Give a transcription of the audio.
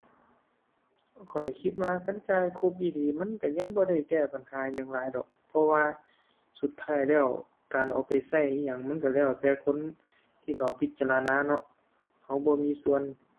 ข้อยคิดว่าคันจ่ายครบอีหลีมันก็ยังบ่ได้แก้ปัญหาหยังหลายดอก เพราะว่า สุดท้ายแล้ว การเอาไปก็อิหยัง มันก็แล้วแต่คนที่เขาพิจารณาเนาะ ก็บ่มีส่วน